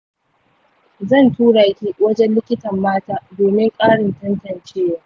zan tura ki wajen likitan mata domin ƙarin tantancewa.